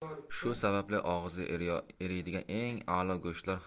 shu sababli og'izda eriydigan eng alo go'shtlar